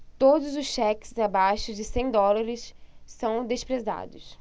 todos os cheques abaixo de cem dólares são desprezados